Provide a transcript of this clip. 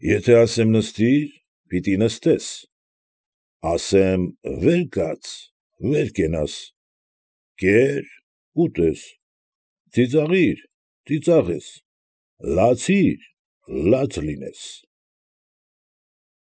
Եթե ասեմ նստի՛ր ֊ պիտի նստես, ասեմ վեր կա՛ց ֊ վեր կենաս, կե՛ր ֊ ուտես, ծիծաղի՛ր ֊ ծիծաղես, լացի՛ր ֊ լաց լինես։